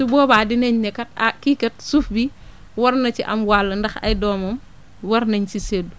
su boobaa dinañ ne kat ah kii kat suuf bi war na ci am wàll ndax ay doomam war nañ si séddu